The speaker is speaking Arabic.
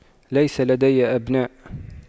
ليس لدي أبناء